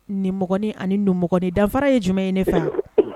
Ninmɔgɔnin a ni nunmɔgɔnin danfara ye jumɛn ye ne fa ?